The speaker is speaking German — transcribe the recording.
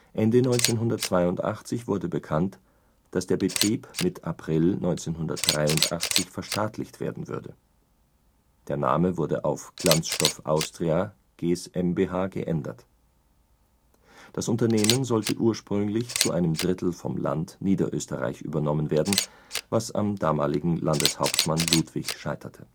Ende 1982 wurde bekannt, dass der Betrieb mit April 1983 verstaatlicht werden würde. Der Name wurde auf Glanzstoff Austria Ges.m.b.H geändert. Das Unternehmen sollte ursprünglich zu einem Drittel vom Land Niederösterreich übernommen werden, was am damaligen Landeshauptmann Ludwig scheiterte